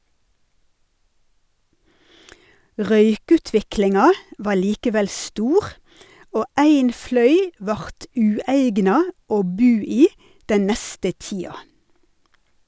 Røykutviklinga var likevel stor, og ein fløy vart ueigna å bu i den neste tida.